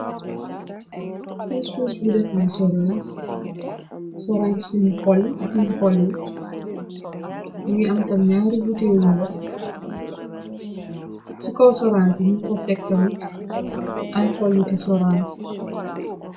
Puspuss bu def soranc soranc bung holi bung holi wut mogi am tam naari botale ndox si kaw soranc bi nung fa tek tamit ay xoliti soranc.